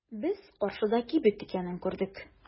Без каршыда кибет икәнен күрдек.